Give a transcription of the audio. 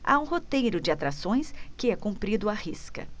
há um roteiro de atrações que é cumprido à risca